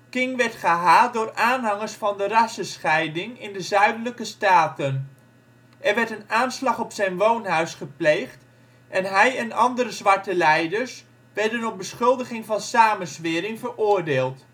King werd gehaat door aanhangers van de rassenscheiding in de zuidelijke staten. Er werd een aanslag op zijn woonhuis gepleegd en hij en andere zwarte leiders werden op beschuldiging van samenzwering veroordeeld